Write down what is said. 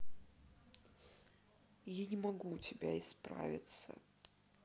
я не могу у тебя исправиться